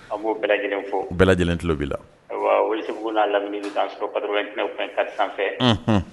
An b'o bɛɛ lajɛlen fo. Bɛɛ lajɛlen tulo bɛ'i la. Aiwa, Wesu kun n'a lamin i bi taa sɔrɔ 89.24 sanfɛ.i